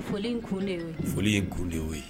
Foli in kun de y'o ye foli in kun de y'o ye